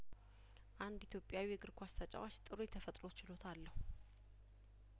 አንድ ኢትዮጵያዊ እግር ኳስ ተጫዋች ጥሩ የተፈጥሮ ችሎታ አለው